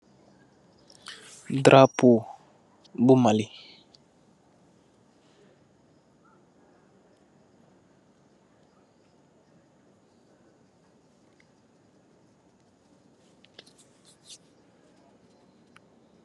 Drappoo bu Mali.